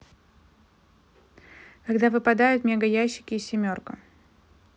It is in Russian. когда выпадают мега ящики семерка